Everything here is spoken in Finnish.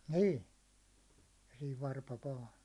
niin ja siinä varpa vain